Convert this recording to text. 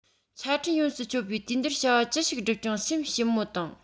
ཆ འཕྲིན ཡོངས སུ སྤྱོད པའི དུས འདིར བྱ བ ཅི ཞིག བསྒྲུབ ཀྱང སེམས ཞིབ མོ དང